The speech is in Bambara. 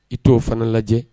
I t'o fana lajɛ